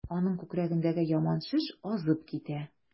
Аның күкрәгендәге яман шеш азып китә.